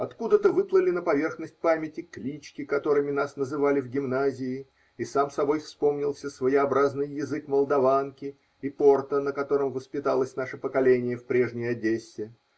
Откуда-то выплыли на поверхность памяти клички, которыми нас называли в гимназии, и сам собой вспомнился своеобразный язык Молдаванки и порта, на котором воспиталось наше поколение в прежней Одессе.